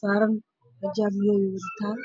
taagan gurdaba